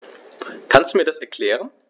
Kannst du mir das erklären?